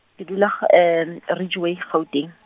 ke dula G-, Ridgeway, Gauteng.